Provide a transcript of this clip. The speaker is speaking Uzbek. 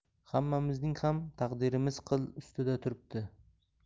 hammamizning ham taqdirimiz qil ustida turibdi